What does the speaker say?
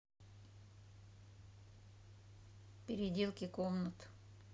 переделки комнат